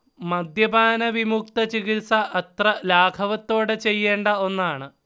മദ്യപാന വിമുക്തചികിത്സ അത്ര ലാഘവത്തോടെ ചെയ്യേണ്ട ഒന്നാണ്